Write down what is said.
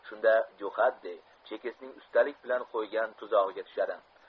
shunda jo'xadze chekistning ustalik bilan qo'ygan tuzog'iga tushadi